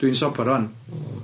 Dwi'n sobor rŵan. Hmm.